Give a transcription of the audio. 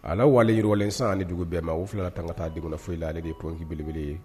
Ala wale yi yɔrɔlen san ani dugu bɛɛ ma wo filɛ ka tan ka taa dugu foyi la ale de ye pkii bele ye